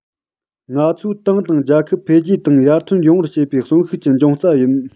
ང ཚོའི ཏང དང རྒྱལ ཁབ འཕེལ རྒྱས དང ཡར ཐོན ཡོང བར བྱེད པའི གསོན ཤུགས ཀྱི འབྱུང རྩ ཡིན